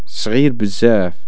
صغير بزاف